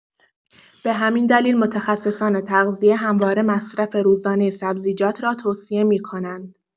به همین دلیل متخصصان تغذیه همواره مصرف روزانه سبزیجات را توصیه می‌کنند.